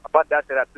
A ba taa kɛra